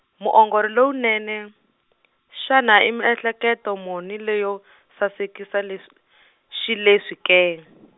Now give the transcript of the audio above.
muongori lowunene, xana i miehleketo muni leyo sasekisa lesw- xileswi ke?